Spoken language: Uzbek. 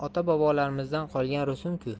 ota bobolarimizdan qolgan rusum ku